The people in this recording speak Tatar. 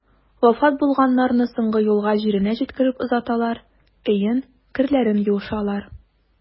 Вафат булганнарны соңгы юлга җиренә җиткереп озаталар, өен, керләрен юышалар.